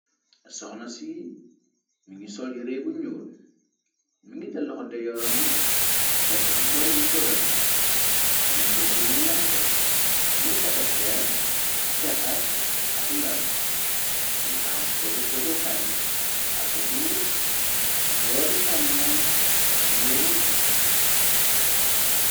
Soxna ci mi ngi sol yi réey bu ñuul, mi ngi jal loxo ndejoram bi tekk ci boori musooram bi, te musoor bu ñuulam sol, mi ngi taka ceen, ceqa ak lam, mi ngi taxaw si pegg togokaay bi akit tamit ci boori càmmoyam floor mung fa.